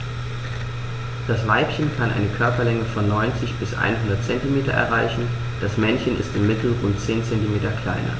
Das Weibchen kann eine Körperlänge von 90-100 cm erreichen; das Männchen ist im Mittel rund 10 cm kleiner.